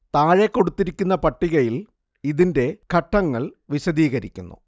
താഴെ കൊടുത്തിരിക്കുന്ന പട്ടികയിൽ ഇതിൻറെ ഘട്ടങ്ങൾ വിശദീകരിക്കുന്നു